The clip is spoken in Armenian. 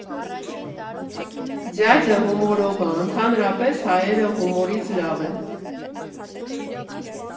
Ձյաձը հումորով ա, ընդհանրապես հայերը հումորից լավ են.